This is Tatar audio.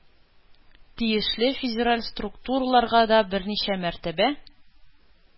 Тиешле федераль структураларга да берничә мәртәбә